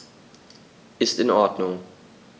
Ist in Ordnung.